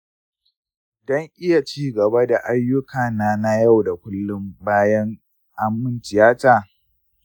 dan iya cigaba da aiyuka na na yau da kullum bayan ammun tiyata